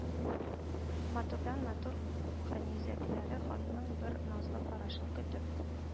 Матурдан-матур кәнизәкләре ханның бер назлы карашын көтеп,